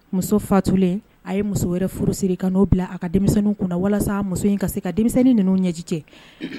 Muso fatulen a ye muso wɛrɛ furu siri n'o bila a ka denmisɛnninnin kunna walasa muso in ka se ka denmisɛnninnin ninnu' ɲɛji cɛ